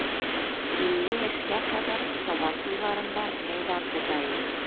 Илле яшькә кадәр сабан туйларында мәйдан тота идем.